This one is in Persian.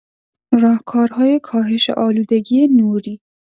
راهکارهای کاهش آلودگی نوری